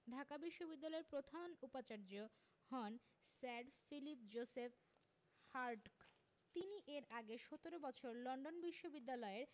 ঢাকা বিশ্ববিদ্যালয়ের প্রথান উপাচার্য হন স্যার ফিলিপ জোসেফ হার্টগ তিনি এর আগে ১৭ বছর লন্ডন বিশ্ববিদ্যালয়ের